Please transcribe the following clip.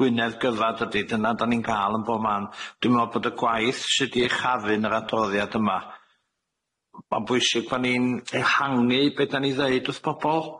Gwynedd gyfa dydi dyna 'dan ni'n ga'l yn bo man dwi'n me'wl bod y gwaith sy' 'di uchafu'n yr adroddiad yma ma'n bwysig bo ni'n ehangu be' 'dan ni ddeud wrth pobol.